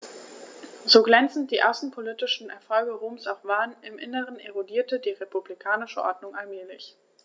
So glänzend die außenpolitischen Erfolge Roms auch waren: Im Inneren erodierte die republikanische Ordnung allmählich.